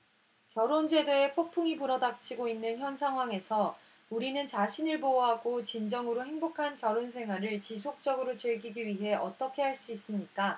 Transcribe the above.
결혼 제도에 폭풍이 불어 닥치고 있는 현 상황에서 우리는 자신을 보호하고 진정으로 행복한 결혼 생활을 지속적으로 즐기기 위해 어떻게 할 수 있습니까